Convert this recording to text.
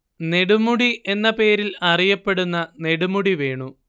നെടുമുടി എന്ന പേരിൽ അറിയപ്പെടുന്ന നെടുമുടി വേണു